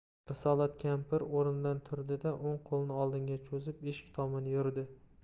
risolat kampir o'rnidan turdi da o'ng qo'lini oldinga cho'zib eshik tomon yurdi